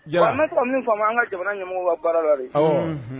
Jamana fɔ min an ka jamana ɲamɔgɔ ka baara la de